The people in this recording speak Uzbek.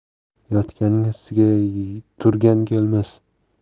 yotganning ustiga turgan kelmas